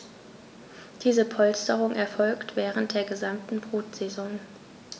Diese Polsterung erfolgt während der gesamten Brutsaison.